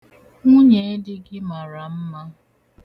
Nwunyeedi gị mara mma.